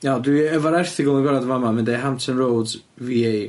Iawn, dwi e- efo'r erthygl yn gorod yn fama mae'n deu' Hampton Roads Vee Ay.